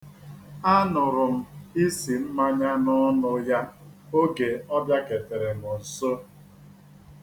Anụrụ m isi mmanya n'ọnụ ya oge ọ bịaketere m nso.